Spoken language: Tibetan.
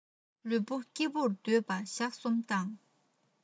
ལུས པོ སྐྱིད པོར སྡོད པ ཞག གསུམ དང